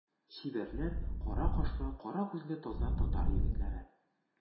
Чибәрләр, кара кашлы, кара күзле таза татар егетләре.